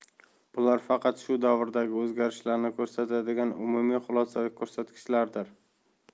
bular faqat shu davrdagi o'zgarishlarni ko'rsatadigan umumiy xulosaviy ko'rsatkichlardir